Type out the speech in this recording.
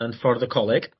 Yn ffordd y coleg